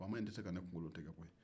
faama in tɛ se ka ne kunkolo tigɛ koyi